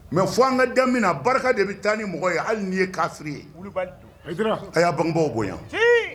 Mɛ fo an ka daminɛmin barika de bɛ taa ni mɔgɔ ye hali ni nin ye karisasiri ye a y'a bangebaw bonya